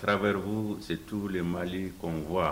A travers vous, c'est tout le Mali qu'on voit .